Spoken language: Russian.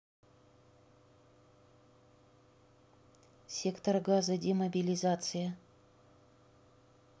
сектор газа демобилизация